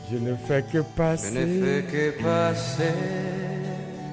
Jfɛkɛ pafɛkɛ ba se